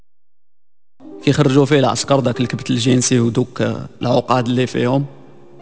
يخرجوا في العسكر ذاك الكبت الجنسي ودق له قال لي في يوم